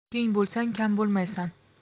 keng bo'lsang kam bo'lmaysan